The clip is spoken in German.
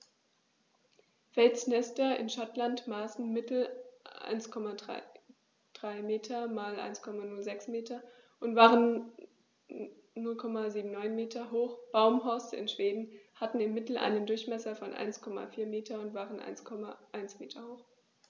Felsnester in Schottland maßen im Mittel 1,33 m x 1,06 m und waren 0,79 m hoch, Baumhorste in Schweden hatten im Mittel einen Durchmesser von 1,4 m und waren 1,1 m hoch.